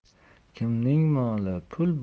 kimning moli puli